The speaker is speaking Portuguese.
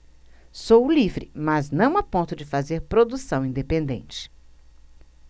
sou livre mas não a ponto de fazer produção independente